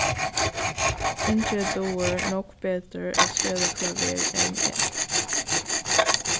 ingi dugir nógv betur at spæla klaver enn eg